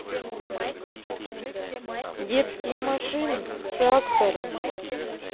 детские машины тракторы